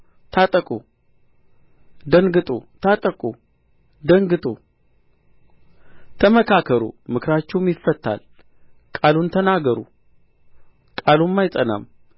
ታጠቁም ደንግጡ ታጠቁ ደንግጡ ተመካከሩ ምክራችሁም ይፈታል ቃሉን ተናገሩ ቃሉም አይጸናም